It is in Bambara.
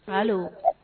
Paul